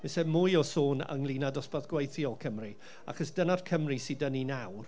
ma' isie mwy o sôn ynglyn â dosbarth gweithiol Cymru, achos dyna'r Cymru sydd 'da ni nawr.